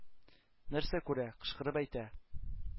Нәрсә күрә, кычкырып әйтә,